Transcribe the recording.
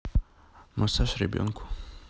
массаж ребенку